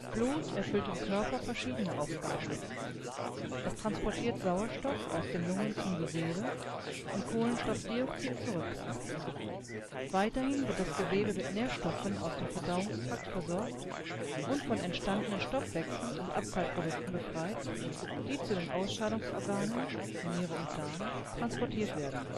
Blut erfüllt im Körper verschiedene Aufgaben. Es transportiert Sauerstoff aus den Lungen zum Gewebe und Kohlenstoffdioxid zurück. Weiterhin wird das Gewebe mit Nährstoffen aus dem Verdauungstrakt versorgt und von entstandenen Stoffwechsel - und Abfallprodukten befreit, die zu den Ausscheidungsorganen (Niere und Darm) transportiert werden